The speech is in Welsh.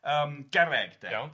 yym garreg 'de. Iawn.